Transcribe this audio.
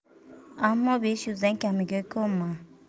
ammo besh yuzdan kamiga ko'nma